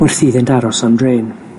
wrth iddynt aros am drên.